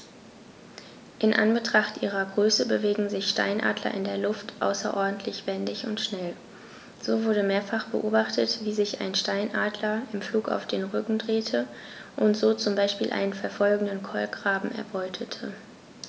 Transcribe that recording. In Anbetracht ihrer Größe bewegen sich Steinadler in der Luft außerordentlich wendig und schnell, so wurde mehrfach beobachtet, wie sich ein Steinadler im Flug auf den Rücken drehte und so zum Beispiel einen verfolgenden Kolkraben erbeutete.